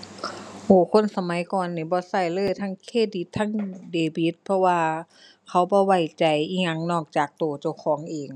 โอ้ คนสมัยก่อนหนิ บ่ใช้เลยทั้งเครดิตทั้งเดบิต เพราะว่าเขาบ่ไว้ใจอิหยังนอกจากใช้เจ้าของเอง